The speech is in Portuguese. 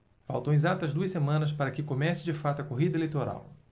faltam exatas duas semanas para que comece de fato a corrida eleitoral